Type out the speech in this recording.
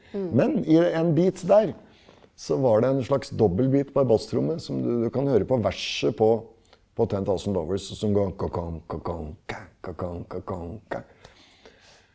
men i en bit der så var det en slags dobbelbeat på ei basstromme som du kan høre på verset på på Ten Thousand Lovers som går .